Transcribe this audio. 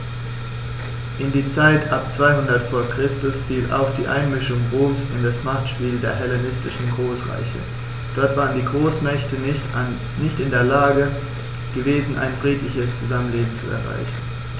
In die Zeit ab 200 v. Chr. fiel auch die Einmischung Roms in das Machtspiel der hellenistischen Großreiche: Dort waren die Großmächte nicht in der Lage gewesen, ein friedliches Zusammenleben zu erreichen.